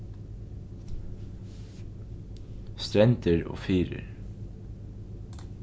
strendur og firðir